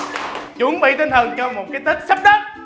chuẩn bị tinh thần cho một cái tết sắp đến